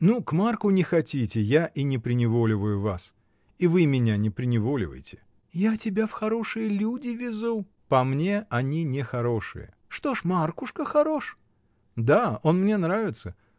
Ну, к Марку не хотите, я и не приневоливаю вас, и вы меня не приневоливайте. — Я тебя в хорошие люди везу. — По мне, они не хорошие. — Что ж, Маркушка хорош? — Да, он мне нравится.